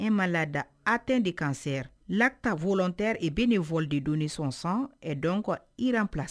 E ma lada atteint de cancer l'acte volontaire et bénévole de donner son sang est donc irrempla